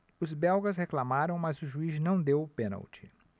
os belgas reclamaram mas o juiz não deu o pênalti